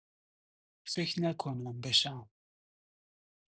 فک نکنم بشم